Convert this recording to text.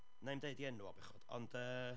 Wna i'm deud ei enw o bechod, ond yy...